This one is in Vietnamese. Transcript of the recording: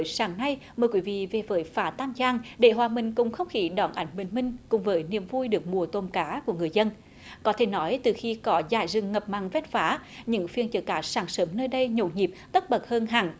sáng nay mời quý vị về với phá tam giang để hòa mình cùng không khí đón ánh bình minh cùng với niềm vui được mùa tôm cá của người dân có thể nói từ khi có dải rừng ngập mặn ven phá những phiên chợ cá sáng sớm nơi đây nhộn nhịp tất bật hơn hẳn